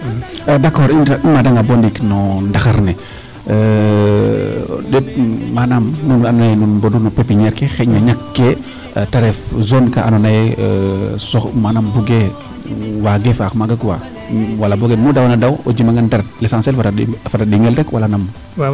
d' accord i maada nga boo ndiik no ndaxar ne o ndeet manaam nuun we ando naye nuun mbodu no pepiniere ke xayna ñak kee te ref zone kaa ando naye manaam mbugee waage faax maaga quoi wala boogen mu daawona daaw o jima ngaan te ret l' essentiel fada ɗingel rek wala nam